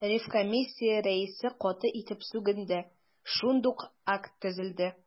Ревкомиссия рәисе каты итеп сүгенде, шундук акт төзеде.